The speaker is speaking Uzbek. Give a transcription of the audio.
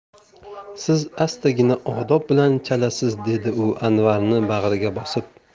siz astagina odob bilan chalasiz dedi u anvarni bag'riga bosib